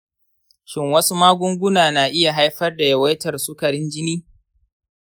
shin wasu magunguna na iya haifar da yawaitar sukarin jini?